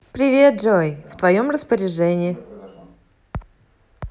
привет джой в твоем распоряжении